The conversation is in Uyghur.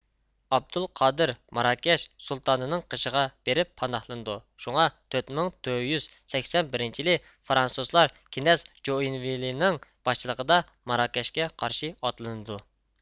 ئابدۇل قادىر ماراكەش سۇلتانىنىڭ قېشىغا بېرىپ پاناھلىنىدۇ شۇڭا تۆت مىڭ تۆت يۈز سەكسەن بىرىنچى يىلى فرانسۇزلار كېنەز جوئىنۋىلېنىڭ باشچىلىقىدا ماراكەشكە قارشى ئاتلىنىدۇ